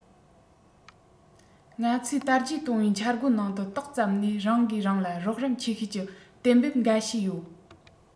ང ཚོའི དར རྒྱས གཏོང བའི འཆར འགོད ནང དུ ཏོག ཙམ ནས རང གིས རང ལ རོགས རམ ཆེ ཤོས ཀྱི གཏན འབེབས འགའ ཤས ཡོད